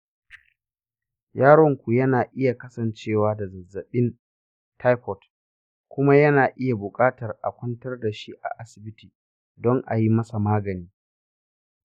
yaronku yana iya kasancewa da zazzabɓin taifot, kuma yana iya buƙatar a kwantar da shi a asibiti don a yi masa magani.